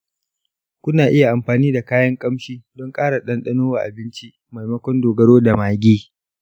kuna iya amfani da kayan ƙamshi don ƙara ɗanɗano wa abinci maimakon dogaro da maggi.